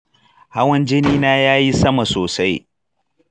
hawan jinina yayi sama sosai.